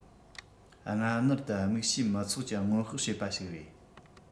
སྔ སྣུར དུ དམིགས བྱའི མི ཚོགས ཀྱི སྔོན དཔག བྱེད པ ཞིག རེད